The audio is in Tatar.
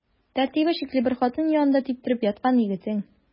Тәртибе шикле бер хатын янында типтереп яткан егетең.